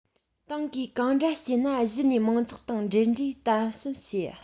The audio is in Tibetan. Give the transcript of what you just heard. ཏང གིས གང འདྲ བྱས ན གཞི ནས མང ཚོགས དང འབྲེལ འདྲིས དམ ཟབ བྱེད